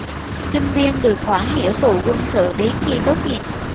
sinh viên được hoãn nghĩa vụ quân sự đến khi tốt nghiệp